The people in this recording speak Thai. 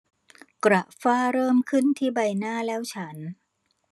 กระฝ้าเริ่มขึ้นที่ใบหน้าแล้วฉัน